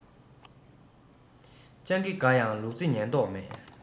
སྤྱང ཀི དགའ ཡང ལུག རྫི ཉན མདོག མེད